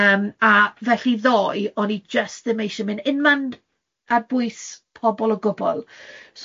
Yym a felly ddoe, o'n i jyst ddim eisiau mynd unman ar bwys pobl o gwbl.